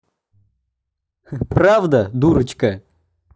правда дурочка